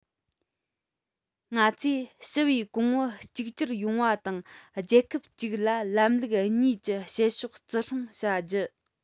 ང ཚོས ཞི བས གོང བུ གཅིག གྱུར ཡོང བ དང རྒྱལ ཁབ གཅིག ལ ལམ ལུགས གཉིས ཀྱི བྱེད ཕྱོགས བརྩི སུང བྱ རྒྱུ